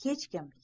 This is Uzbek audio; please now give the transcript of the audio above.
hech kim